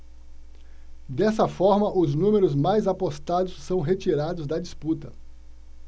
dessa forma os números mais apostados são retirados da disputa